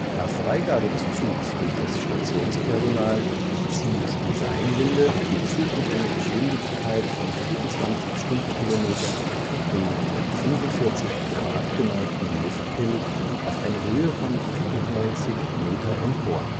Nach Freigabe des Zugs durch das Stationspersonal zieht die Seilwinde den Zug mit einer Geschwindigkeit von 24 km/h den um 45 Grad geneigten Lifthill auf eine Höhe von 94 Meter empor